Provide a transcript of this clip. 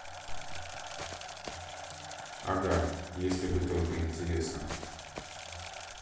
ага если бы только интересно